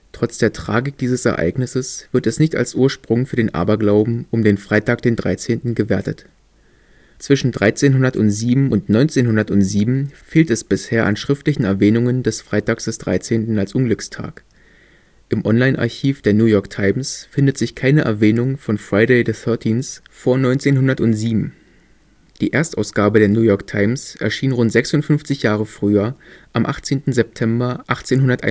Trotz der Tragik dieses Ereignisses wird es nicht als Ursprung für den Aberglauben um den Freitag den 13. gewertet. Zwischen 1307 und 1907 fehlt es bisher an schriftlichen Erwähnungen des Freitags des 13. als Unglückstag. Im Online-Archiv der New York Times findet sich keine Erwähnung von Friday the 13th vor 1907. Die Erstausgabe der New York Times erschien rund 56 Jahre früher am 18. September 1851